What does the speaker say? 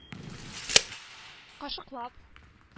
Кашыклап